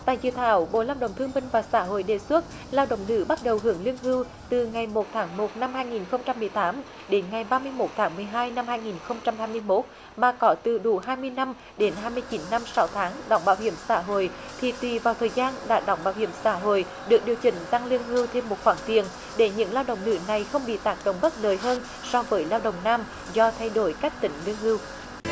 tại dự thảo bộ lao động thương binh và xã hội đề xuất lao động nữ bắt đầu hưởng lương hưu từ ngày một tháng một năm hai nghìn không trăm mười tám đến ngày ba mươi mốt tháng mười hai năm hai nghìn không trăm hai mươi mốt mà có từ đủ hai mươi năm đến hai mươi chín năm sáu tháng đóng bảo hiểm xã hội thì tùy vào thời gian đã đóng bảo hiểm xã hội được điều chỉnh tăng lương hưu thêm một khoản tiền để những lao động nữ này không bị tác động bất lợi hơn so với lao động nam do thay đổi cách tính lương hưu